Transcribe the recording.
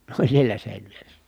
ne oli siellä seinävieressä